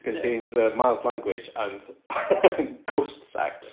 contains yy mild language and ghost sex